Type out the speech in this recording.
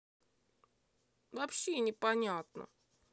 вообще непонятно